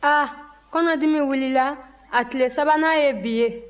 a kɔnɔdimi wulila a tile sabanan ye bi ye